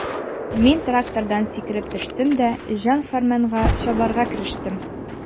Мин трактордан сикереп төштем дә җан-фәрманга чабарга керештем.